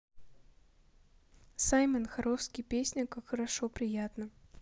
simon харовский песня как хорошо приятно